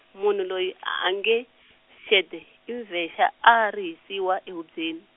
munhu loyi a a nge, Xede, i mbvexa, a rihisiwa ehubyeni.